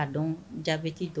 A dɔn jaabibiti don